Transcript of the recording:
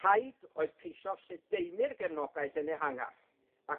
Rhaid oedd ceisio lledaenu'r gefnogaeth yn ehangach, a